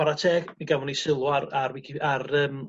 chwara' teg mi gafon ni sylw ar ar wici- ar yym